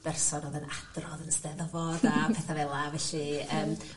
berson o'dd yn adrodd yn y 'Steddfod... ...a petha fel 'a felly yym